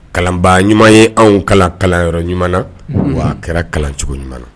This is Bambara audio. Kalanba ɲuman ye anw kalan kalanyɔrɔ ɲuman na' aa kɛra kalancogo ɲuman na